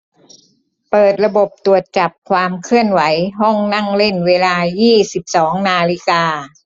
เปิดระบบตรวจจับความเคลื่อนไหวห้องนั่งเล่นเวลายี่สิบสองนาฬิกา